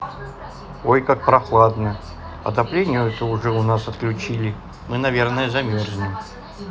ой как прохладно отопление то уже у нас отключили мы наверное замерзнем